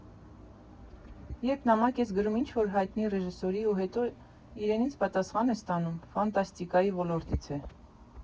Երբ նամակ ես գրում ինչ֊որ հայտնի ռեժիսորի ու հետո իրենից պատասխան ես ստանում, ֆանտաստիկայի ոլորտից է։